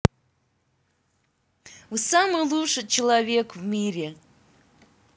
вы самый лучший человек в мире